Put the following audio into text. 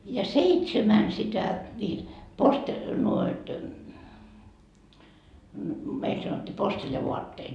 ja seitsemän sitä niitä - noita meillä sanottiin posteljavaatteet